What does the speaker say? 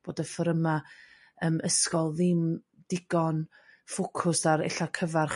bod y fforyma' yrm ysgol ddim digon ffwcwst ar ella cyfarch